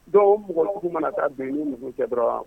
Don mɔgɔtigiw mana taa bɛn ni mugu cɛ dɔrɔn wa